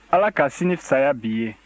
ala ka sini fisaya bi ye